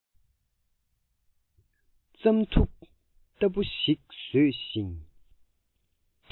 རྩམ ཐུག ལྟ བུ ཞིག བཟོས ཤིང